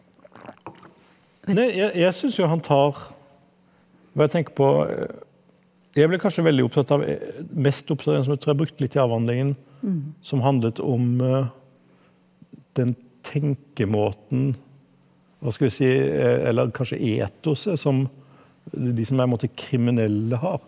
nei jeg jeg syns jo han tar når jeg tenker på jeg ble kanskje veldig opptatt av mest opptatt av en som jeg tror jeg brukte litt i avhandlingen som handlet om den tenkemåten, hva skal vi si, eller kanskje etosen som de som er på en måte kriminelle har.